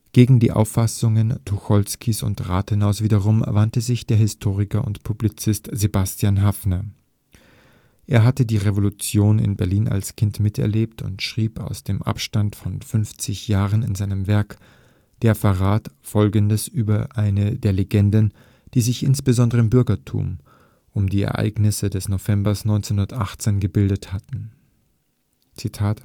Gegen die Auffassungen Tucholskys und Rathenaus wiederum wandte sich der Historiker und Publizist Sebastian Haffner. Er hatte die Revolution in Berlin als Kind miterlebt und schrieb aus dem Abstand von 50 Jahren in seinem Werk Der Verrat folgendes über eine der Legenden, die sich – insbesondere im Bürgertum – um die Ereignisse des Novembers 1918 gebildet hatten: Eine